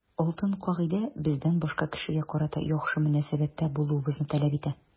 Алтын кагыйдә бездән башка кешегә карата яхшы мөнәсәбәттә булуыбызны таләп итә.